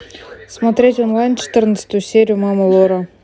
смотреть онлайн четырнадцатую серию мама лора